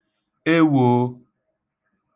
ewōō